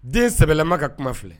Den sɛbɛɛlɛma ka kuma filɛ